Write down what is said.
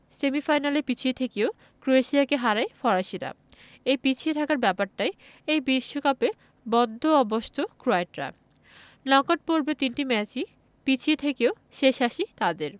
পিছিয়ে থেকেও ক্রোয়েশিয়াকে হারায় ফরাসিরা এই পিছিয়ে থাকার ব্যাপারটায় এই বিশ্বকাপে বড্ড অভ্যস্ত ক্রোয়াটরা নক আউট পর্বের তিনটি ম্যাচই পিছিয়ে থেকেও শেষ হাসি তাদের